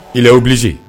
Il est obligé